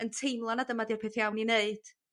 yn teimlo ma' dyma 'di'r peth iawn i neud.